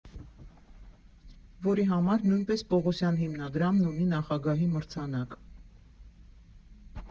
Որի համար նույնպես Պողոսյան հիմնադրամն ունի Նախագահի մրցանակ։